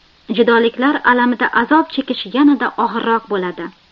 judoliklar alamida azob chekish yanada og'irroq bo'ladi